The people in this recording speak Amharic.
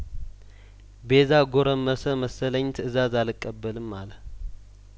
ቤዛ ጐረመሰ መሰለኝ ትእዛዝ አልቀበልም አለ